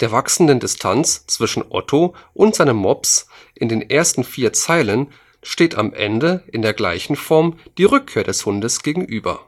Der wachsenden Distanz zwischen Otto und seinem Mops in den ersten vier Zeilen steht am Ende in gleicher Form die Rückkehr des Hundes gegenüber